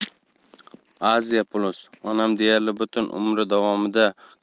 asia plus onam deyarli butun umri davomida